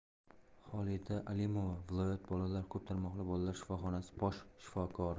xolida alimova viloyat bolalar ko'p tarmoqli bolalar shifoxonasi bosh shifokori